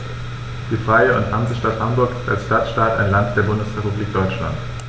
Die Freie und Hansestadt Hamburg ist als Stadtstaat ein Land der Bundesrepublik Deutschland.